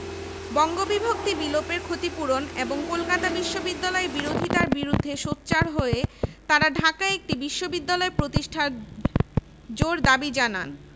Lord Hardinge এ প্রস্তাবের গুরুত্ব উপলব্ধি করেন এবং বিষয়টি তিনি ব্রিটিশ সরকারের পররাষ্ট্র মন্ত্রীর নিকট সুপারিশ করবেন বলেও অঙ্গীকার করেন